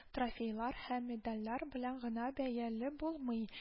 Трофейлар һәм медальләр белән генә бәяле булмый